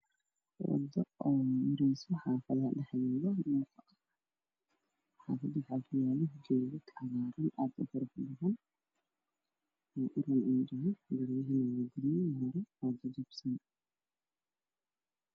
Waa mooto mareyso xaafado dhexdooda. Xaafada waxaa kuyaalo guryo hore oo jajabsan.